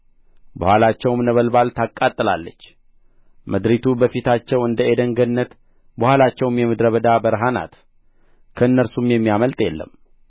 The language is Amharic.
በኋላቸውም ነበልባል ታቃጥላለች ምድሪቱ በፊታቸው እንደ ዔድን ገነት በኋላቸውም የምድረ በዳ በረሃ ናት ከእነርሱም የሚያመልጥ የለም